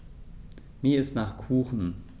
Mir ist nach Kuchen.